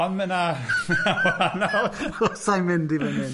Ond mae na sai'n mynd i fynhyn.